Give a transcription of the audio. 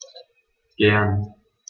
Gern.